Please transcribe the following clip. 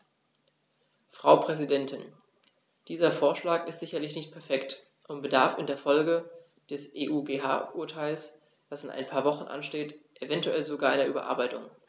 Frau Präsidentin, dieser Vorschlag ist sicherlich nicht perfekt und bedarf in Folge des EuGH-Urteils, das in ein paar Wochen ansteht, eventuell sogar einer Überarbeitung.